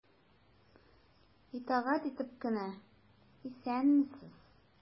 Итагать итеп кенә:— Исәнмесез!